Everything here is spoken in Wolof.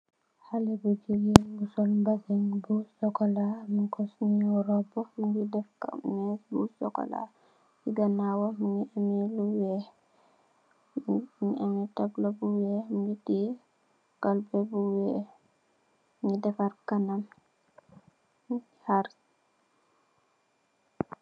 Haleh bu gigain bu sol mbazin bu chocolat, mung kor cii njhow rohbu, mungy deff meeche bu chocolat, cii ganawam mungy ameh lu wekh, bu mungy ameh tableaux bu wekh, mungy tiyeh kalpeh bu wekh, mungy defarr kanam, mungy haarrre.